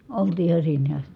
oltiin ihan sinne asti